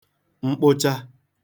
mkpucha